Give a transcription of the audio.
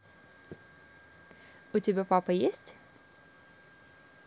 у тебя папа есть